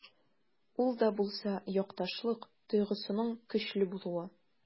Ул да булса— якташлык тойгысының көчле булуы.